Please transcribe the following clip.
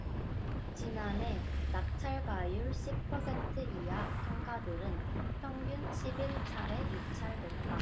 지난해 낙찰가율 십 퍼센트 이하 상가들은 평균 십 일 차례 유찰됐다